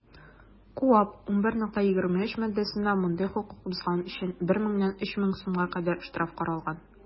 КоАП 11.23 маддәсендә мондый хокук бозган өчен 1 меңнән 3 мең сумга кадәр штраф каралган.